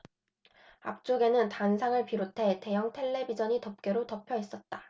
앞쪽에는 단상을 비롯해 대형 텔레비전이 덮개로 덮여있었다